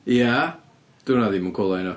Ia? 'Di hwnna ddim yn cŵl o enw.